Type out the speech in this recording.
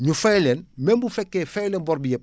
ñu fay leen même bu fekkee fay na bor bi yëpp